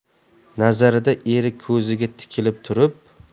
nazarida eri ko'ziga tikilib turib